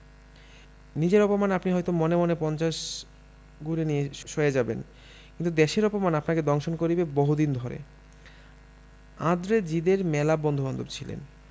নিজের অপমান আপনি হয়ত মনে মনে পঞ্চাশ গুণে নিয়ে সয়ে যাবেন কিন্তু দেশের অপমান আপনাকে দংশন করবে বহুদিন ধরে আঁদ্রে জিদে র মেলা বন্ধুবান্ধব ছিলেন